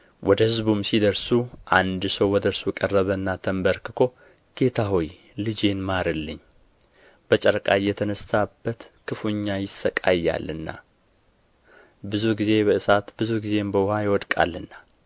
ወደ ሕዝቡም ሲደርሱ አንድ ሰው ወደ እርሱ ቀረበና ተንበርክኮ ጌታ ሆይ ልጄን ማርልኝ በጨረቃ እየተነሣበት ክፉኛ ይሣቀያልና ብዙ ጊዜ በእሳት ብዙ ጊዜም በውኃ ይወድቃልና